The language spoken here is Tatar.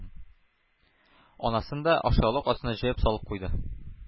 Анасын да ашъяулык астына җәеп салып куйды...